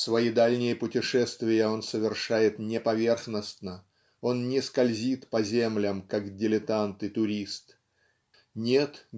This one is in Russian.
Свои дальние путешествия он совершает не поверхностно он не скользит по землям как дилетант и турист. Нет